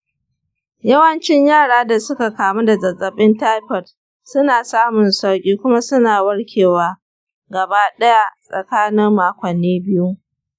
yawancin yara da suka kamu da zazzabin taifot suna samun sauƙi kuma suna warke wa gaba ɗaya tsakanin makonni biyu.